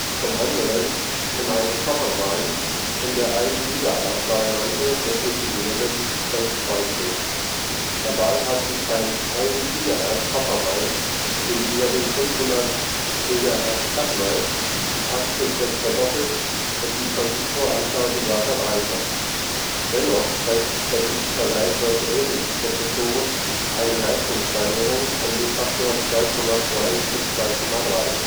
zum anderen einen „ Coppermine “in der 1-GHz-Variante mit integriertem L2-Cache. Dabei hat sich beim 1-GHz-Coppermine gegenüber dem 500-MHz-Katmai die Taktfrequenz verdoppelt und die Transistoranzahl sogar verdreifacht, dennoch zeigt sich bei diesen vergleichsweise ähnlichen Prozessoren eine Leistungssteigerung um den Faktor 2,2 bis 2,3